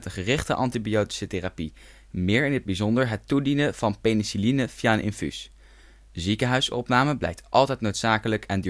gerichte antibiotische therapie, meer in het bijzonder het toedienen van penicilline via een infuus. Ziekenhuisopname blijkt altijd noodzakelijk en